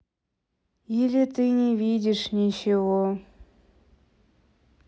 или ты не видишь ничего